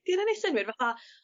'dy hynna neu synnwyr fatha